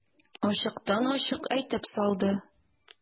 Ачыктан-ачык әйтеп салды.